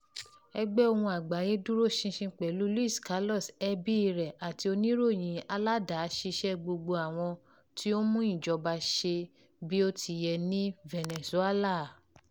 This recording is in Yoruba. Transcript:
Ẹgbẹ́ Ohùn Àgbáyé dúró ṣinṣin pẹ̀lú Luis Carlos, ẹbíi rẹ̀, àti oníròyìn aládàáṣiṣẹ́ gbogbo àwọn tí ó ń mú ìjọba ṣe bí ó ti yẹ ní Venezuela.